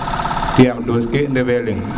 yaam dose ke ndefe leng